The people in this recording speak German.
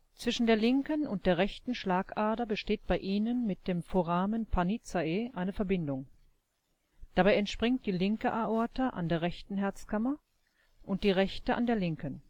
Zwischen der linken und der rechten Schlagader besteht bei ihnen mit dem Foramen Panizzae eine Verbindung. Dabei entspringt die linke Aorta an der rechten Herzkammer und die rechte an der linken